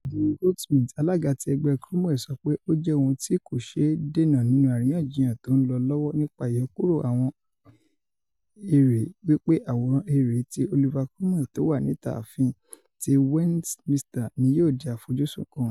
John Goldsmith, alága ti Ẹgbẹ́ Cromwell, sọ pé: “Ó jẹ́ ohun tí kò ṣée dènà nínú àríyànjiyàn tó ńlọ lọ́wọ́ nípa ìyọkúrò àwọn èère wí pé àwòrán èèrè ti Oliver Cromwell tówà níta Ààfin ti Westminster ni yóò di àfojúsùn kan.